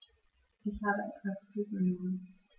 Ich habe etwas zugenommen